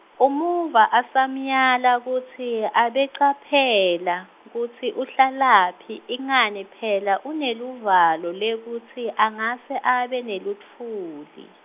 umuva asamyala kutsi abe caphela, kutsi uhlalaphi ingani phela uneluvalo lekutsi angase abe nelutfuli.